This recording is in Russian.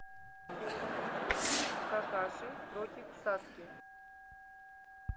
какаши против саске